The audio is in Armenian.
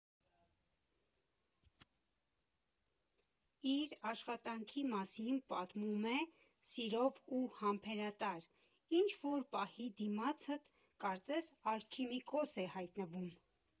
Իր աշխատանքի մասին պատմում է սիրով ու համբերատար, ինչ֊որ պահի դիմացդ, կարծես, ալքիմիկոս է հայտնվում։